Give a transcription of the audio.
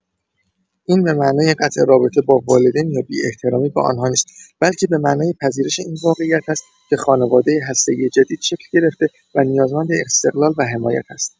این به معنای قطع رابطه با والدین یا بی‌احترامی به آن‌ها نیست، بلکه به معنای پذیرش این واقعیت است که خانواده هسته‌ای جدید شکل گرفته و نیازمند استقلال و حمایت است.